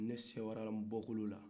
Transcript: ne sewara nbɔkolo la